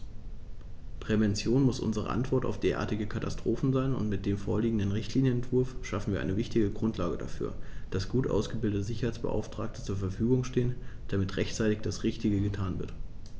Prävention muss unsere Antwort auf derartige Katastrophen sein, und mit dem vorliegenden Richtlinienentwurf schaffen wir eine wichtige Grundlage dafür, dass gut ausgebildete Sicherheitsbeauftragte zur Verfügung stehen, damit rechtzeitig das Richtige getan wird.